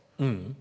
ja.